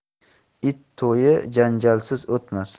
it to'yi janjalsiz o'tmas